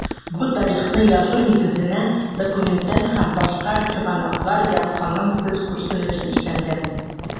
Бу тарихны язу нигезенә документаль һәм башка чыгынаклыр ятканын сез күрсен өчен эшләнгән.